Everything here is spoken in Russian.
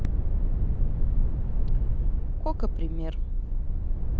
coca пример